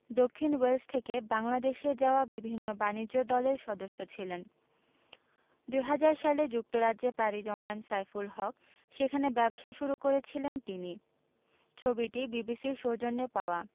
দক্ষিণ ওয়েলস থেকে বাংলাদেশে যাওয়া বিভিন্ন বাণিজ্য দলের সদস্য ছিলেন ২০০০ সালে যুক্তরাজ্যে পাড়ি জমান সাইফুল হক সেখানে ব্যবসা শুরু করেছিলেন তিনি ছবিটি বিবিসির সৌজন্যে পাওয়া